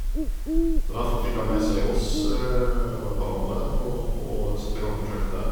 Så derfor fikk han med seg oss og et par andre og og satte i gang prosjektet.